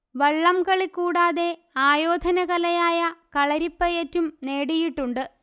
വള്ളംകളി കൂടാതെ ആയോധന കലയായ കളരിപ്പയറ്റും നേടിയിട്ടുണ്ട്